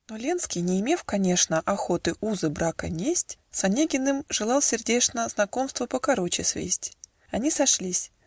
Но Ленский, не имев, конечно, Охоты узы брака несть, С Онегиным желал сердечно Знакомство покороче свесть. Они сошлись.